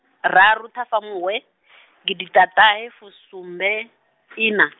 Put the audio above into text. raru Ṱhafamuhwe, gidiḓaṱahefusumbeiṋa.